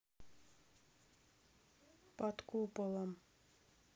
под куполом